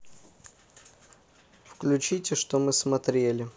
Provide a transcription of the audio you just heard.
включите что мы смотрели